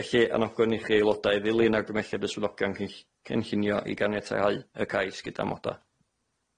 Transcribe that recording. Felly annogwn i chi aelodau ddilyn argymelliad y swyddogion cynll- cynllunio i ganiatehau y cais gyda moda.